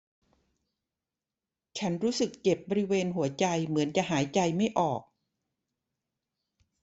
ฉันรู้สึกเจ็บบริเวณหัวใจเหมือนจะหายใจไม่ออก